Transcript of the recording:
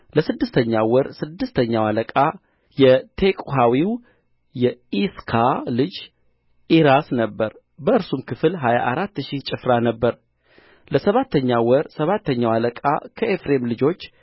ለስድስተኛው ወር ስድስተኛው አለቃ የቴቁሐዊው የዒስካ ልጅ ዒራስ ነበረ በእርሱም ክፍል ሀያ አራት ሺህ ጭፍራ ነበረ ለሰባተኛው ወር ሰባተኛው አለቃ ከኤፍሬም ልጆች